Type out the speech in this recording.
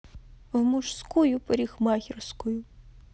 в мужскую парикмахерскую